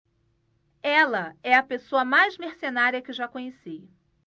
ela é a pessoa mais mercenária que já conheci